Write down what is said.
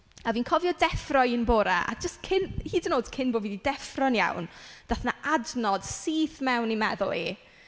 A fi'n cofio deffro un bore. A jyst cyn... hyd yn oed cyn bo' fi 'di deffro'n iawn daeth 'na adnod syth mewn i meddwl i.